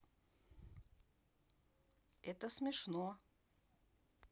это смешно